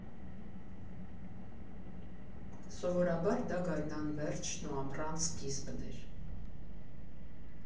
֊ Սովորաբար դա գարնան վերջն ու ամռան սկիզբն էր։